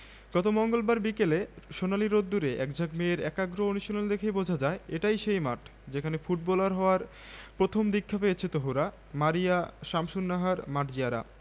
সংগৃহীত সৈয়দ শামসুল হক স্বপ্নের ভেতরে বসবাস এর অংশবিশেষ প্রাচীন বংশের নিঃস্ব সন্তান গ্রন্থের অন্তর্ভুক্ত প্রকাশকঃ সব্যসাচী ঢাকা ১৯৮১